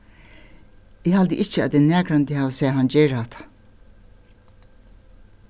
eg haldi ikki at eg nakrantíð havi sæð hann gera hatta